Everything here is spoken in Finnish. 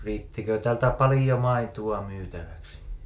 riittikö täältä paljon maitoa myytäväksi